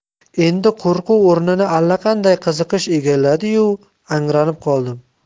endi qo'rquv o'rnini allaqanday qiziqish egalladiyu angrayib qoldim